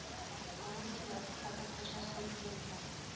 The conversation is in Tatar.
Аның килосы хәзер уртача сум тиен тора